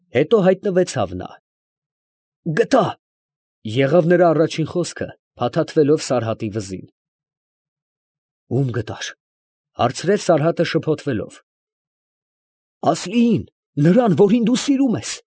Հետո հայտնվեցավ նա։ ֊ Գտա, ֊ եղավ նրա առաջին խոսքը, փաթաթվելով Սարհատի վզին։ ֊ Ո՞ւմ գտար, ֊ հարցրեց Սարհատը շփոթվելով։ ֊ Ասլիին. նրան, որին դու սիրում ես։